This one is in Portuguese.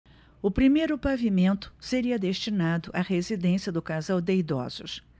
o primeiro pavimento seria destinado à residência do casal de idosos